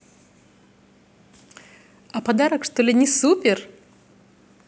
а подарок что ли не супер